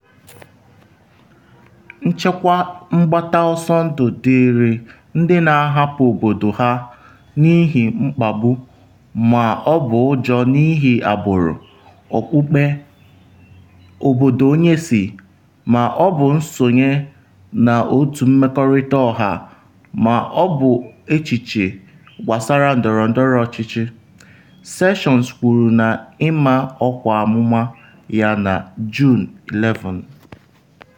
“Nchekwa mgbata ọsọ ndụ dịịrị ndị na-ahapụ obodo ha n’ihi mkpagbu ma ọ bụ ụjọ n’ihi agbụrụ, okpukpe, obodo onye si, ma ọ bụ nsonye n’otu mmekọrịta ọha ma ọ bụ echiche gbasara ndọrọndọrọ ọchịchị,” Sessions kwuru na ịma ọkwa amụma ya na Juun 11.